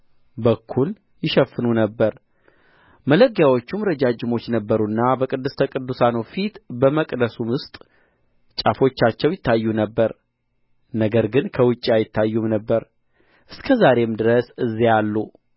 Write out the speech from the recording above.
በኩል ይሸፍኑ ነበር መሎጊያዎቹም ረጃጅሞች ነበሩና በቅዱስተ ቅዱሳን ፊት ከመቅደሱ ውስጥ ጫፎቻቸው ይታዩ ነበር ነገር ግን ከውጪ አይታዩም ነበር እስከ ዛሬም ድረስ እዚያ አሉ